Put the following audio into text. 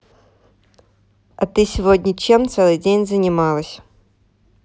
а ты сегодня чем целый день занималась